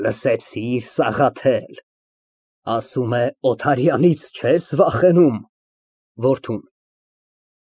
Հի, հի, հի, լսեցի՞ր Սաղաթել։ Ասում է Օթարյանից չե՞ս վախենում։ (Որդուն)։